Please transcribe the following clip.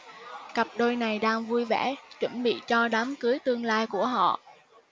cặp đôi này đang vui vẻ chuẩn bị cho đám cưới tương lai của họ